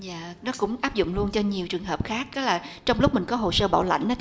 dạ nó cũng áp dụng luôn cho nhiều trường hợp khác đó là trong lúc mình có hồ sơ bảo lãnh á